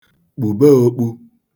kpùbe ōkpū